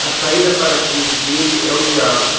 a saída para a crise dele é o diálogo